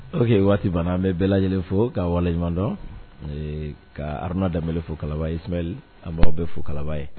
Ok waati bana an bɛ bɛɛ lajɛlen fo ka waleɲumandɔn ka Harouna Dembele fo Kalaban Ismael an baw bɛ fo Kalaba yen